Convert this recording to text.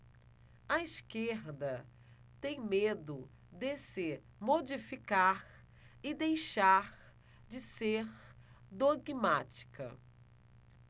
a esquerda tem medo de se modificar e deixar de ser dogmática